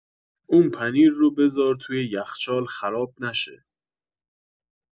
این پنیر رو بذار توی یخچال خراب نشه